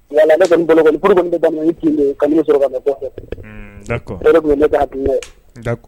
Ye